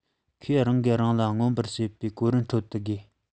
ཁོས རང གིས རང ལ མངོན པར བྱེད པའི གོ རིམ ཁྲོད དུ དགོས